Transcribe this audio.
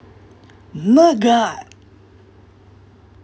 нога